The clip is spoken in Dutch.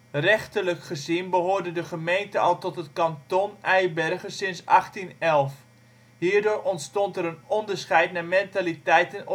Rechter­lijk gezien behoorde de gemeente al tot het kanton (Vredegerecht) Eibergen sinds 1811. Hier­door ontstond er een onderscheid naar mentali­teit